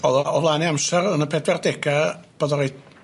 O'dd o o'dd yn ei amsar yn y pedwar dega bod o reit